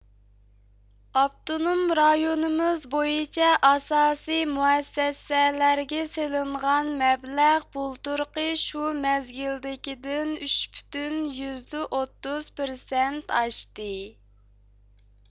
ئاپتونوم رايونىمىز بويىچە ئاساسىي مۇئەسسەسەلەرگە سېلىنغان مەبلەغ بۇلتۇرقى شۇ مەزگىلدىكىدىن ئۈچ پۈتۈن يۈزدە ئوتتۇز پىرسەنت ئاشتى